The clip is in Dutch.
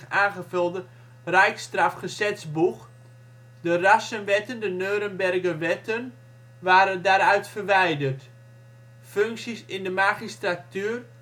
aangevulde Reichsstrafgesetzbuch (" StGB "). De rassenwetten (Neurenberger Wetten) waren daaruit verwijderd. Functies in de magistratuur